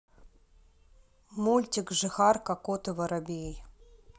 мультфильм жихарка кот и воробей